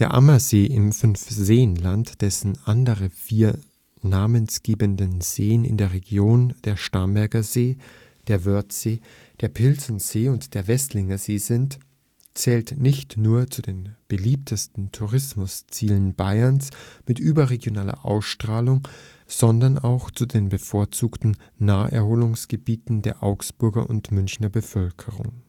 Ammersee im Fünfseenland, dessen andere vier namensgebenden Seen in der Region der Starnberger See, der Wörthsee, der Pilsensee und der Weßlinger See sind, zählt nicht nur zu den beliebtesten Tourismuszielen Bayerns mit überregionaler Ausstrahlung, sondern auch zu den bevorzugten Naherholungsgebieten der Augsburger und Münchner Bevölkerung